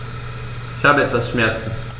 Ich habe etwas Schmerzen.